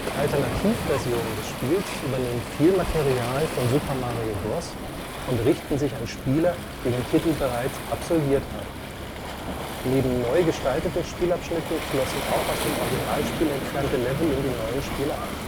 Alternativversionen des Spiels übernehmen viel Material von Super Mario Bros. und richten sich an Spieler, die den Titel bereits absolviert haben. Neben neugestalteten Spielabschnitten flossen auch aus dem Originalspiel entfernte Level in die neuen Spiele ein